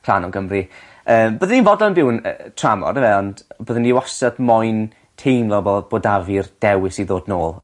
rhan o Gymru. Yym byddwn i'n fodlon byw yn yy yy tramor on'yfe ond byddwn i wastad moyn teimlo fel bo' 'da fi'r dewis i ddod nôl.